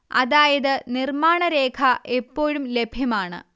അതായത് നിർമ്മാണരേഖ എപ്പോഴും ലഭ്യമാണ്